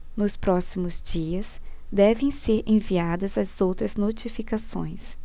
nos próximos dias devem ser enviadas as outras notificações